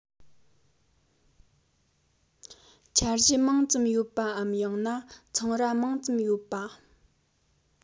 འཆར གཞི མང ཙམ ཡོད པའམ ཡང ན ཚོང ར མང ཙམ ཡོད པ